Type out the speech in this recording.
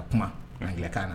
Ka kuma ankan na